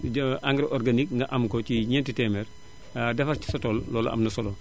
engrais organique bi nga am ko ci ñenti téeméer defar ci sa tool loolu am na solo